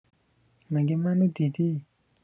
مگه منو دیدی